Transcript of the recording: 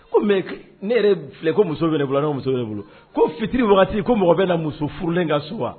Ko mais ne yɛrɛ filɛ, ko musone bolo wa, ne ko muso bɛ ne bolo. Ko fitiri waati ko mɔgɔ bɛ na muso furulen ka so wa ?